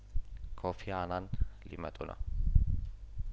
ኮፊ አናን ሊመጡ ነው